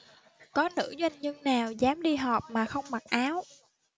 có nữ doanh nhân nào dám đi họp mà không mặc áo